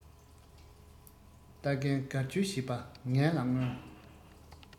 རྟ རྒན སྒལ བཅོས བྱེད པ ངན ལ མངོན